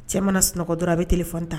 Cɛ mana sunɔgɔ dɔrɔn a bɛ tilefan tan